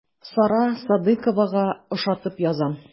Сара Садыйковага ошатып язам.